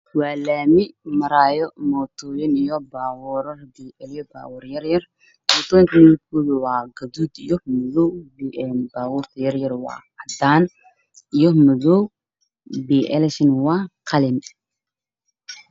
Waa laami waxaa maraayo mootooyin iyo baabuuro yaryar. Mootooyin midabkoodu waa gaduud iyo madow, baabuurta yaryar na waa cadaan iyo madow, bii'eelashu waa qalin.